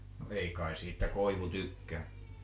no ei kai siitä koivu tykkää